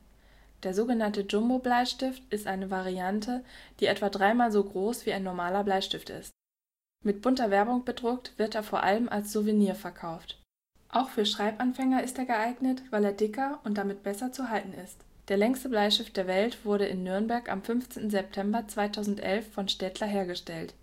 Der sogenannte „ Jumbo-Bleistift “ist eine Variante, die etwa dreimal so groß wie ein normaler Bleistift ist. Mit bunter Werbung bedruckt, wird er vor allem als Souvenir verkauft. Auch für Schreibanfänger ist er geeignet, weil er dicker und damit besser zu halten ist. Der längste Bleistift der Welt wurde in Nürnberg am 15. September 2011 von Staedtler hergestellt